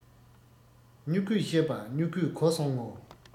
སྨྱུ གུའི བཤད པ སྨྱུ གུས གོ སོང ངོ